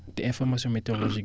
te information météorologique